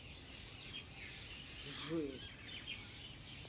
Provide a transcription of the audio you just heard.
жесть